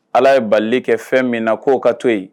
Ala ye bali kɛ fɛn min na k'o ka to yen